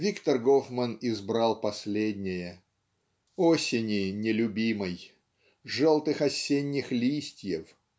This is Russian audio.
Виктор Гофман избрал последнее. Осени нелюбимой желтых осенних листьев